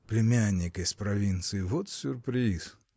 – Племянник из провинции – вот сюрприз!